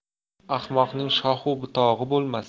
ahmoqning shox u butog'i bo'lmas